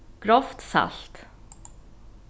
grovt salt